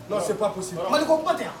Dɔ se pasi mali ko kumatɛ